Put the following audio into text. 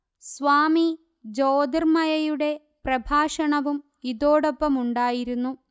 സ്വാമി ജ്യോതിർമയയുടെ പ്രഭാഷണവും ഇതോടൊപ്പമുണ്ടായിരുന്നു